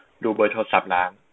ดูเบอร์โทรศัพท์ร้าน